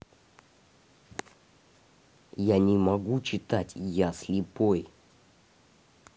я не могу читать я слепой